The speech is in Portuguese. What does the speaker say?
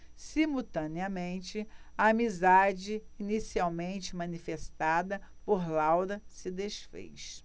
simultaneamente a amizade inicialmente manifestada por laura se disfez